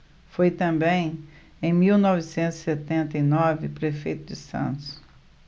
foi também em mil novecentos e setenta e nove prefeito de santos